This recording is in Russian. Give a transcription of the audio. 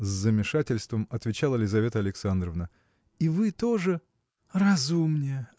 – с замешательством отвечала Лизавета Александровна, – и вы тоже. – Разумнее!